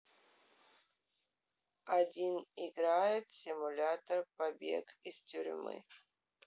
один играет симулятор побег из тюрьмы